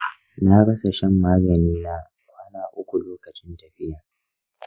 na rasa shan magani na kwana uku lokacin tafiyan.